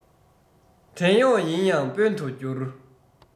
བྲན གཡོག ཡིན ཡང དཔོན དུ འགྱུར